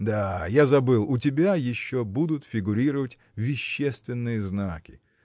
– Да, я забыл: у тебя еще будут фигурировать вещественные знаки.